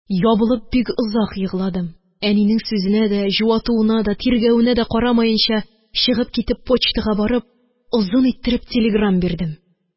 Ябылып бик озак егладым. Әнинең сүзенә дә, җуатуына да, тиргәвенә дә карамаенча, чыгып китеп почтага барып, озын иттереп телеграм бирдем.